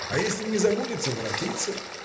А если не забудется — воротиться.